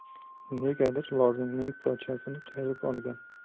negadir lozimining pochasini qayirib olgan